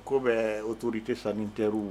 Ko bɛ otouru i tɛ san nin teriri